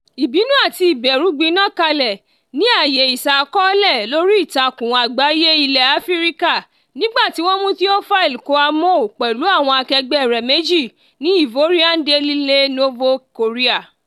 Ìbínú àti ìbẹ̀rù gbiná kalẹ̀ ní àyè ìṣàkọọ́lẹ̀ oríìtakùn àgbáyé ilẹ̀ Áfíríkà nígbà tí wọ́n mú Théophile Kouamouo pẹ̀lú àwọn akẹgbẹ́ rẹ̀ méjì ní Ivorian Daily Le Nouveau Courrier.